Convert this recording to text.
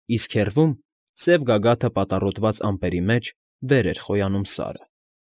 Իսկ հեռվում, սև գագաթը պատառոտված ամեպերի մեջ, վեր էր խոյանում Սարը։